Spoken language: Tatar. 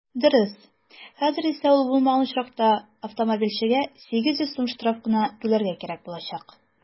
Дөрес, хәзер исә ул булмаган очракта автомобильчегә 800 сум штраф кына түләргә кирәк булачак.